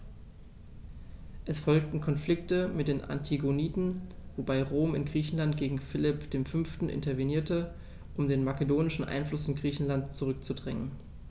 Es folgten Konflikte mit den Antigoniden, wobei Rom in Griechenland gegen Philipp V. intervenierte, um den makedonischen Einfluss in Griechenland zurückzudrängen.